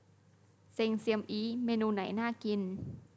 เซงเซียมอี๊เมนูไหนน่ากิน